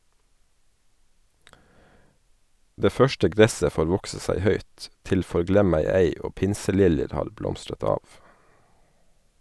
Det første gresset får vokse seg høyt, til forglemmegei og pinseliljer har blomstret av.